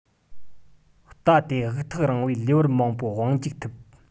རྟ དེ དབུགས ཐག རིང བས ལེ དབར མང པོར བང རྒྱུག ཐུབ